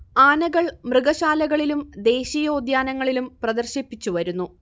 ആനകൾ മൃഗശാലകളിലും ദേശീയോദ്യാനങ്ങളിലും പ്രദർശിപ്പിച്ചുവരുന്നു